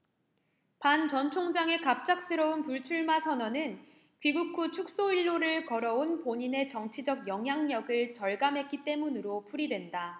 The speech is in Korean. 반 전총장의 갑작스러운 불출마선언은 귀국 후 축소일로를 걸어 온 본인의 정치적 영향력을 절감했기 때문으로 풀이된다